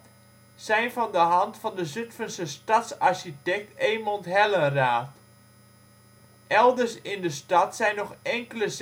zijn van de hand van de Zutphense stadsarchitect Emond Hellenraet. Elders in de stad zijn nog enkele